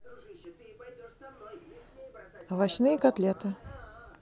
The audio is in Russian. овощные котлеты